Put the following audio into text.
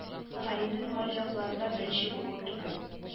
Хәлимнең мари якларында беренче булуы түгел